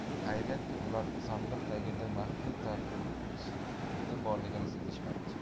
xayriyatki ular sandiq tagida maxfiy tagquti borligini sezishmabdi